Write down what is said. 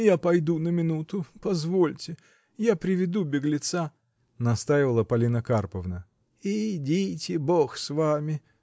— Я пойду на минуту, позвольте, я приведу беглеца. — настаивала Полина Карповна. — Идите, Бог с вами!